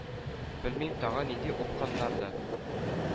Белмим, тагы нинди упкыннарда